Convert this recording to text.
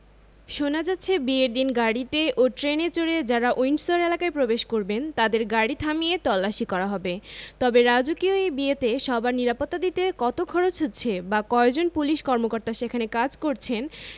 শোনা যাচ্ছে বিয়ের দিন গাড়িতে ও ট্রেনে চড়ে যাঁরা উইন্ডসর এলাকায় প্রবেশ করবেন তাঁদের গাড়ি থামিয়ে তল্লাশি করা হবে তবে রাজকীয় এই বিয়েতে সবার নিরাপত্তা দিতে কত খরচ হচ্ছে বা কয়জন পুলিশ কর্মকর্তা সেখানে কাজ করছেন